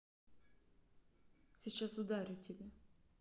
сейчас удалю тебя